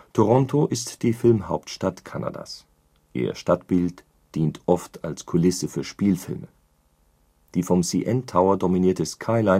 Toronto ist die Filmhauptstadt Kanadas; ihr Stadtbild dient oft als Kulisse für Spielfilme. Die vom CN Tower dominierte Skyline